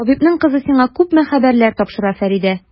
Табибның кызы сиңа күпме хәбәрләр тапшыра, Фәридә!